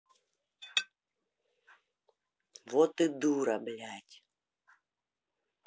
вот ты дура блядь